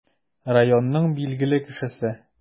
Районның билгеле кешесе.